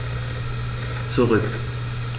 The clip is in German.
Zurück.